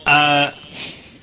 yy